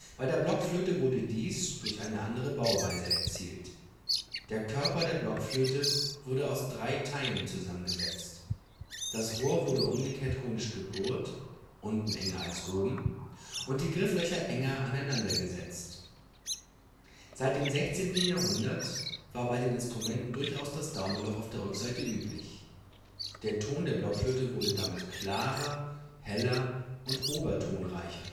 Bei der Blockflöte wurde dies durch eine andere Bauweise erzielt. Der Körper der Blockflöte wurde aus drei Teilen zusammengesetzt; das Rohr wurde umgekehrt konisch gebohrt (unten enger als oben) und die Grifflöcher enger aneinander gesetzt. Seit dem 16. Jahrhundert war bei den Instrumenten darüberhinaus das Daumenloch auf der Rückseite üblich. Der Ton der Blockflöte wurde damit klarer, heller und obertonreicher